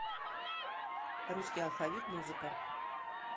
русский алфавит музыка